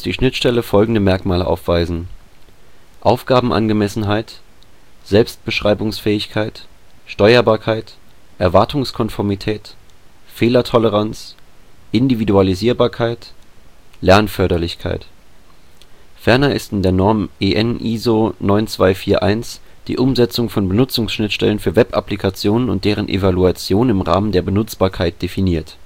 Schnittstelle folgende Merkmale aufweisen: Aufgabenangemessenheit Selbstbeschreibungsfähigkeit Steuerbarkeit Erwartungskonformität Fehlertoleranz Individualisierbarkeit Lernförderlichkeit Ferner ist in der Norm EN ISO 9241 die Umsetzung von Benutzungsschnittstellen für Web-Applikationen und deren Evaluation im Rahmen der Benutzbarkeit definiert